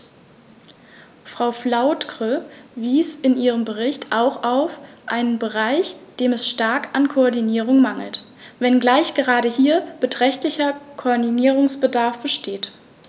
Frau Flautre verwies in ihrem Bericht auch auf einen Bereich, dem es stark an Koordinierung mangelt, wenngleich gerade hier beträchtlicher Koordinierungsbedarf besteht.